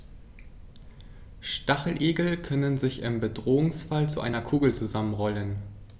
Stacheligel können sich im Bedrohungsfall zu einer Kugel zusammenrollen.